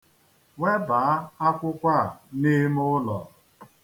Webaa akwụkwọ a n'ime ụlọ.